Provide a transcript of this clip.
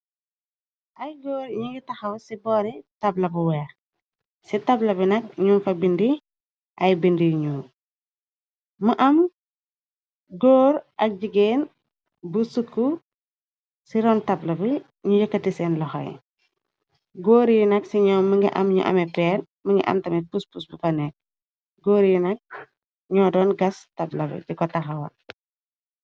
Ay góor ñi ngi taxaw ci boori tabla bu weex ci tabla bi nak ñyung fa bindi ay bind yi ñuul mu am góor ak jigéen bu sukku ci ron tabla bi ñu yëkkati seen loxey góor yi nag ci ñoom mi nga am ñu ame peer mi nga am tame puspus bu ko nekk góor yi nag ñoo doon gas tablabi diko taxawal.